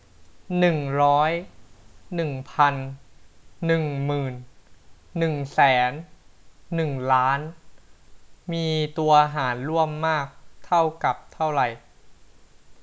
หนึ่งร้อยหนึ่งพันหนึ่งหมื่นหนึ่งแสนหนึ่งล้านมีตัวหารร่วมมากเท่ากับเท่าไหร่